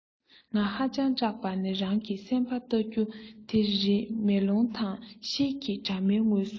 ང ཧ ཅང སྐྲག པ ནི རང གི སེམས ལ བལྟ རྒྱུ དེ རེད མེ ལོང དང ཤེལ གྱི དྲ མའི ངོས སུ